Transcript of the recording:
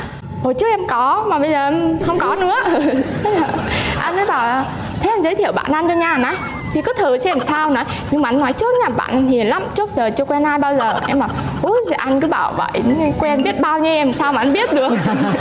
hồi trước em có mà bây giờ em không có nữa thế là anh ấy bảo là thế anh giới thiệu bạn anh cho nha nói thì cứ thử xem làm sao nói nhưng mà anh nói trước nhá bạn anh hiền lắm trước giờ chưa quen ai bao giờ em bảo úi giời anh cứ bảo vậy chứ quen biết bao nhiêu em làm sao mà anh biết được